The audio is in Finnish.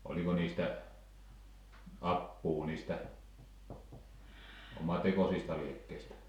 oliko niistä apua niistä omatekoisista lääkkeistä